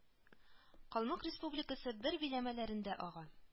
Калмык Республикасы бер биләмәләрендә ага